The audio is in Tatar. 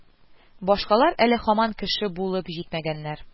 Башкалар әле һаман кеше булып җитмәгәннәр